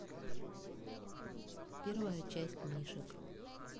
первая часть мишек